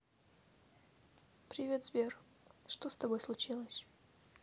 привет сбер что с тобой случилось